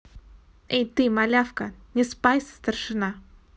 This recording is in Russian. эй ты малявка не spice старшина